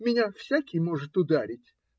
Меня всякий может ударить.